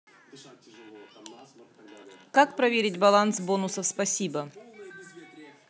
как проверить баланс бонусов спасибо